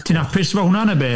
Ti'n hapus efo hwnna, neu be?